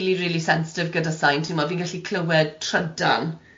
Really, really sensitif gyda sain, timod fi'n gallu clywed trydan